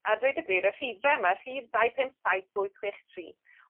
a dweud y gwir y rhife yma, rhif dau pump saith dwy chwech tri